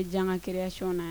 I ye janka kiresina ye